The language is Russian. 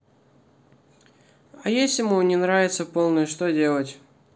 а если ему не нравятся полные что делать